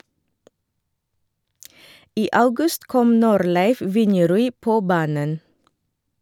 I august kom Norleiv Vinjerui på banen.